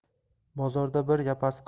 bozorda bir yapasqi